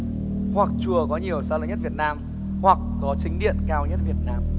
hoặc chùa có nhiều sa lãnh nhất việt nam hoặc có chính điện cao nhất việt nam